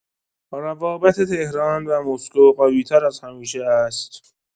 روابط تهران و مسکو قوی‌تر از همیشه است.